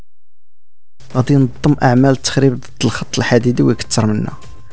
اعمال تخريب الخط الحديدي واكثر منه